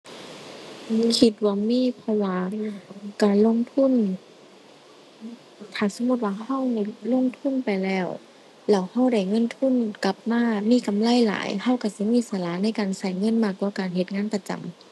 คิดว่ามี เพราะว่าการลงทุน ถ้าสมมุติว่าเราลงทุนไปแล้ว แล้วเราได้เงินทุนกลับมา มีกำไรหลาย เราเราสิมีอิสระในการเราเงินมากกว่าการเฮ็ดงานประจำ